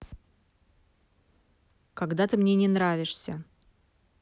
когда ты мне не нравишься